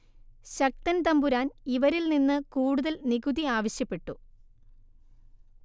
ശക്തന്‍ തമ്പുരാന്‍ ഇവരില്‍ നിന്ന് കൂടുതല്‍ നികുതി ആവശ്യപ്പെട്ടു